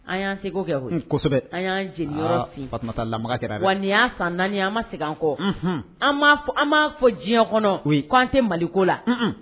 An y'an se kɛsɛbɛ an y'anta wa nin y'a san naani an ma segin anko an fɔ an'a fɔ diɲɛ kɔnɔ u ye koan tɛ mali ko la